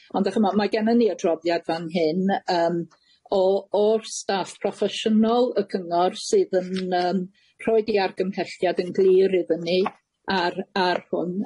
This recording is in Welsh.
Ond dach ch'mo' mae gennyn ni adroddiad fan hyn yym o o'r staff proffesiynol y cyngor sydd yn yym rhoid 'u argymhelliad yn glir iddyn ni ar ar hwn,